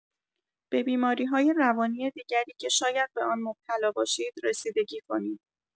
به بیماری‌های روانی دیگری که شاید به آن مبتلا باشید رسیدگی کنید.